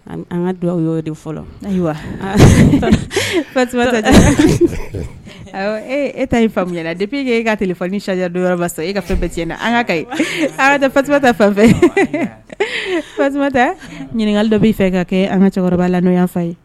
An ka dugawu aw yɔrɔ de fɔlɔ ayiwa e ta ye fayala depi'i kɛ e ka tile fa ni sariya sa e ka fɛn bɛɛ an kaba tɛ fanfɛ tɛ ɲininkaka dɔ b'i fɛ ka kɛ an ka cɛkɔrɔba la' yan fa ye